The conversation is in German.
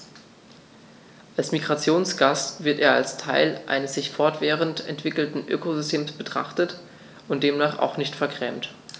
Als Migrationsgast wird er als Teil eines sich fortwährend entwickelnden Ökosystems betrachtet und demnach auch nicht vergrämt.